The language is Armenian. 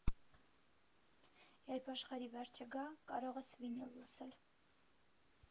Երբ աշխարհի վերջը գա, կարող ես վինիլ լսել։